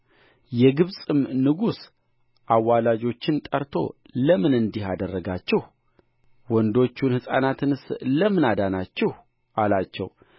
የግብፅም ንጉሥ አዋላጆችን ጠርቶ ለምን እንዲህ አደረጋችሁ ወንዶቹን ሕፃናትንስ ለምን አዳናችሁ አላቸው